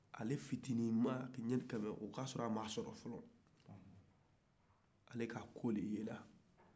ale fitinin ma o y'a sɔrɔ a ma sɔrɔ fɔlɔ ale ka kow de yera